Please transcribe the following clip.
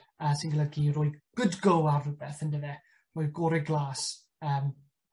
Yy sy'n golygu rhoi good go ar rwbeth on'd yfe? Roi gore glas yym